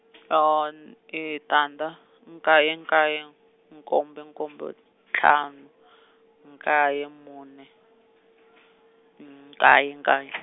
ho o n-, e tandza nkaye nkaye, nkombo nkombo, ntlhanu , nkaye mune , nkaye nkaye.